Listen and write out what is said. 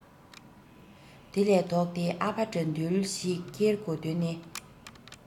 དེ ལས ལྡོག སྟེ ཨ ཕ དགྲ འདུལ ཞིག ཀེར དགོས དོན ནི